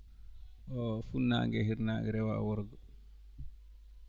o fuɗnaange e hiirnaange rewo e worgo